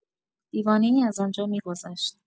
دیوانه‌ای از آنجا می‌گذشت.